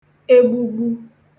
egbugbu